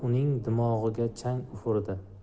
uning dimog'iga chang ufurdi